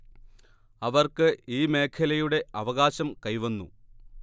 അവർക്ക് ഈ മേഖലയുടെ അവകാശം കൈവന്നു